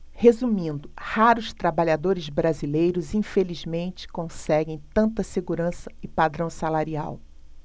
resumindo raros trabalhadores brasileiros infelizmente conseguem tanta segurança e padrão salarial